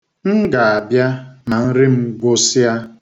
M ga-abịa ma nri m gwụsịa.